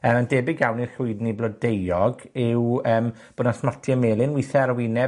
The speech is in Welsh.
yy yn debyg iawn i'r llwydni blodeuog yw yym bo' 'na smotie melyn, withe ar y wyneb